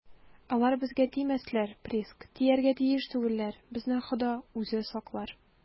- алар безгә тимәсләр, приск, тияргә тиеш түгелләр, безне хода үзе саклар.